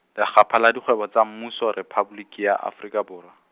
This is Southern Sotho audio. Lefapha la Dikgwebo tsa Mmuso Rephaboliki ya Afrika Borwa.